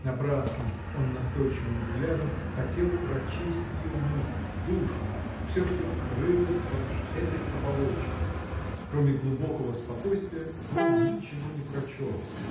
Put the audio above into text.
Напрасно он настойчивым взглядом хотел прочесть ее мысль, душу — всё, что крылось под этой оболочкой: кроме глубокого спокойствия он ничего не прочел.